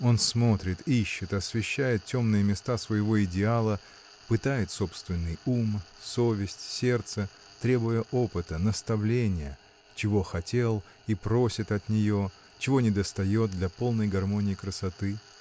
Он смотрит, ищет, освещает темные места своего идеала, пытает собственный ум, совесть, сердце, требуя опыта, наставления, — чего хотеть и просить от нее, чего недостает для полной гармонии красоты?